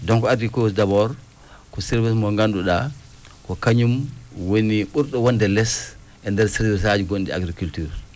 donc ko adii koo d' abord ko service mbo ngannduɗaa ko kañum woni ɓurɗo wonde lees e ndeer service aji gonɗi agriculture